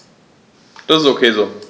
Das ist ok so.